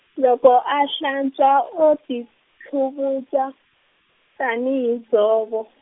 loko a hlantswa o ti tlhuvutsa, tani hi dzovo.